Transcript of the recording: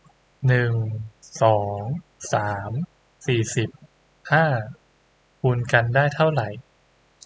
หนึ่งสองสามสี่สิบห้าคูณกันได้เท่าไหร่